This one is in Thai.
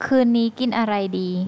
คืนนี้กินอะไรดี